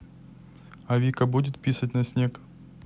а вика будет писать на снег